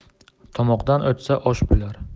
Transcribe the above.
tomoqdan o'tsa osh bo'lar